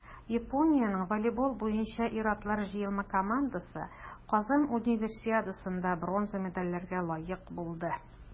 Япониянең волейбол буенча ир-атлар җыелма командасы Казан Универсиадасында бронза медальләргә лаек булды.